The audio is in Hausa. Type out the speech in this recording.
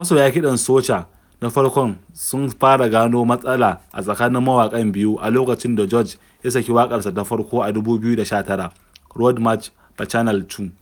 Masoya kiɗan soca da farkon sun fara gano matsala a tsakanin mawaƙan biyu a lokacin da George ya saki waƙarsa ta farko a 2019, "Road March Bacchanal 2".